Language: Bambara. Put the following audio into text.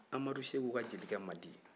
amadu seko ka jelikɛ mandi